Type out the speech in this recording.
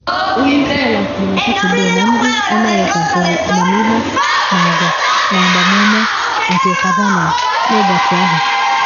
Onye isi ala kwuru na Satọde na “Ndị America hụrụ amamịghe na agwa na mgbamume” nke Kavanaugh n’ụbọchị ahụ.